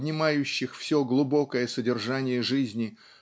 обнимающих все глубокое содержание жизни